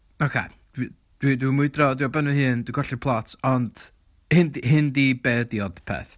Ocê, dwi dwi dwi'n mwydro, dwi ar ben fy hun, dwi colli'r plot. Ond hyn 'di hyn 'di be ydy Odpeth.